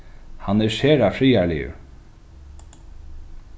hann er sera friðarligur